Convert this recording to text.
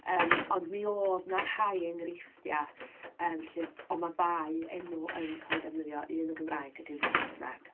Yym ond mi oedd 'na rhai enghreifftiau yym lle oedd 'na ddau enw yn cael eu defnyddio, un yn Gymraeg ac un yn Saesneg.